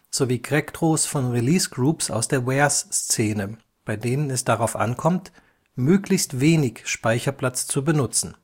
sowie Cracktros von Releasegroups aus der Warez-Szene, bei denen es darauf ankommt, möglichst wenig Speicherplatz zu benutzen